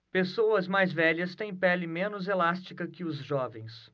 pessoas mais velhas têm pele menos elástica que os jovens